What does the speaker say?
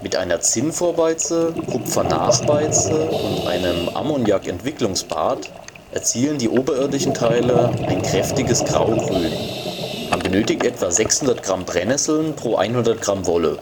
Mit einer Zinnvorbeize, Kupfernachbeize und einem Ammoniak-Entwicklungsbad erzielen die oberirdischen Teile ein kräftiges Graugrün. Man benötigt etwa 600 Gramm Brennnessel pro 100 Gramm Wolle